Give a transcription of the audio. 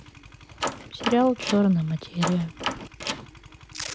сериал черная материя